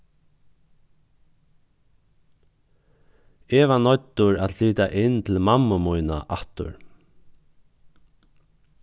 eg var noyddur at flyta inn til mammu mína aftur